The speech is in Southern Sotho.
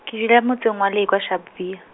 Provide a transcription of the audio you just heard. ke dula motseng wa Lekwa, Sharpeville.